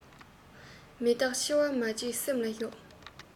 མི རྟག འཆི བ མ བརྗེད སེམས ལ ཞོག